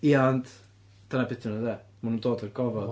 Ia, ond dyna be' ydyn nhw de. Maen nhw'n dod o'r gofod.